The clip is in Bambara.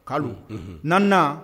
Kalo na